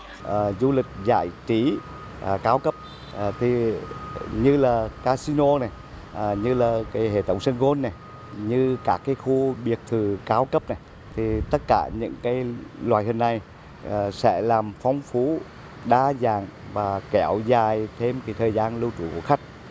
à du lịch giải trí à cao cấp ờ thì như là ca si nô này như là cái hệ thống sân gôn này như các cái khu biệt thự cao cấp này thì tất cả những cái loại hình này sẽ làm phong phú đa dạng mà kéo dài thêm cái thời gian lưu trú của khách